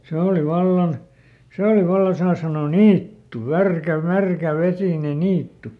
se oli vallan se oli vallan saa sanoa niitty - märkä vesinen niitty